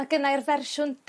ma' gynnai'r fersiwn